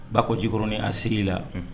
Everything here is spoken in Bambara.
Ba ko jikɔrɔnin a sigi la